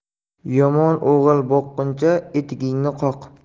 yomon o'g'il boqquncha etagingni qoq